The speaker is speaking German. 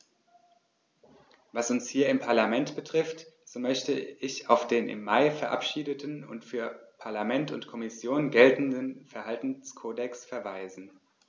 Was uns hier im Parlament betrifft, so möchte ich auf den im Mai verabschiedeten und für Parlament und Kommission geltenden Verhaltenskodex verweisen.